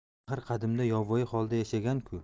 axir qadimda yovvoyi holda yashagan ku